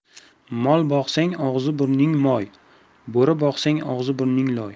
mol boqsang og'zi burning moy bo'ri boqsang og'zi burning loy